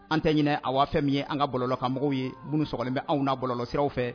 An tɛ ɲinɛ awa, fɛn min ye an ka bɔlɔlɔkanmɔgɔw ye minnu sɔgɔlen bɛ anw na bɔlɔ siraraw fɛ